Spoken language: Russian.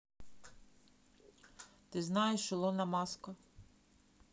ты знаешь илона маска